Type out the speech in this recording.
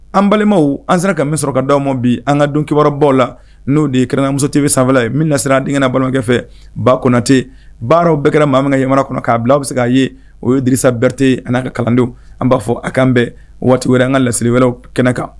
An balimaw an sera ka min sɔrɔka aw ma bi an ka don kibabaw la n'o de yerɛnmuso tɛbi sanfɛ ye min nasira an dna balokɛfɛ ba kɔnɔnatɛ baaraw bɛɛkɛla maa min ka yɛlɛmana kɔnɔ k'a bila aw bɛ se k a ye o ye disa bererɛte ani'a ka kalandenw an b'a fɔ a kan bɛn waati wɛrɛ an ka laseli wɛrɛw kɛnɛ kan